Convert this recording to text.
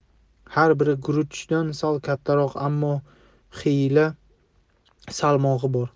har biri guruchdan sal kattaroq ammo xiyla salmog'i bor